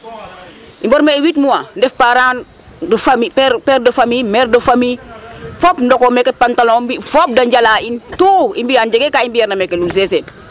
Mborme'e 8 mois parents de famille pére de famille mére de famille fop ndokooxu meke pantalon mbi' fop da njalaa in tout i mbi'an jegee ka mbi'eerna meke Lul seseen .